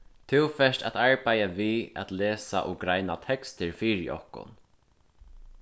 tú fert at arbeiða við at lesa og greina tekstir fyri okkum